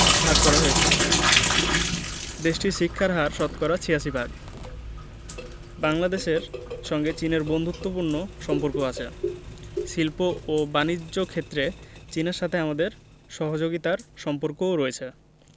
ভাগ করা হয়েছে দেশটির শিক্ষার হার শতকরা ৮৬ ভাগ বাংলাদেশের সঙ্গে চীনের বন্ধুত্বপূর্ণ সম্পর্ক আছে শিল্প ও বানিজ্য ক্ষেত্রে চীনের সাথে আমাদের সহযোগিতার সম্পর্কও রয়েছে